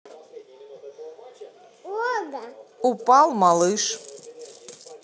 упал малыш